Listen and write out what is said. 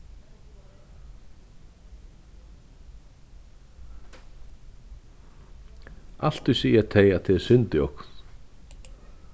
altíð siga tey at tað er synd í okkum